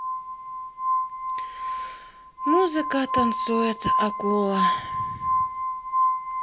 музыка танцует акула